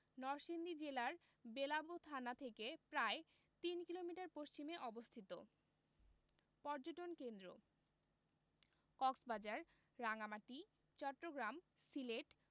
নরসিংদী জেলার বেলাব থানা থেকে প্রায় তিন কিলোমিটার পশ্চিমে অবস্থিত পর্যটন কেন্দ্রঃ কক্সবাজার রাঙ্গামাটি চট্টগ্রাম সিলেট